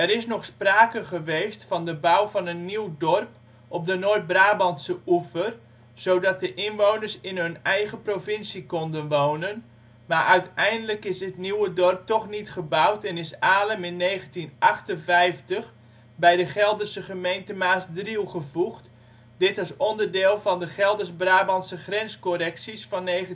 is nog sprake geweest van de bouw van een nieuw dorp op de Noord-Brabantse oever, zodat de inwoners in hun eigen provincie konden wonen, maar uiteindelijk is dit nieuwe dorp toch niet gebouwd en is Alem in 1958 bij de Gelderse gemeente Maasdriel gevoegd; dit als onderdeel van de Gelders-Brabantse grenscorrecties van 1958